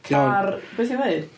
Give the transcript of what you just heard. Car, be ti'n ddeud?